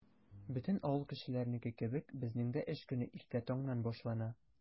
Бөтен авыл кешеләренеке кебек, безнең дә эш көне иртә таңнан башлана.